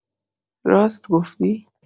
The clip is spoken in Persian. راست گفتی؟